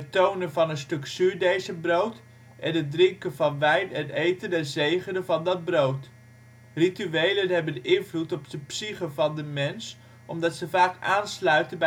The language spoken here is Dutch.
tonen van een stuk zuurdesem brood en het drinken van wijn en eten en zegenen van dat brood. Rituelen hebben invloed op de psyche van de mens omdat ze vaak aansluiten